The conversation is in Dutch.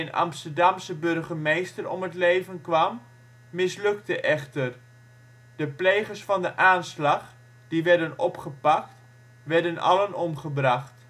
Amsterdamse burgemeester om het leven kwam, mislukte echter. De plegers van de aanslag, die werden opgepakt, werden allen omgebracht